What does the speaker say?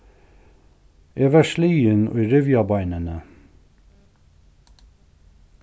eg varð sligin í rivjabeinini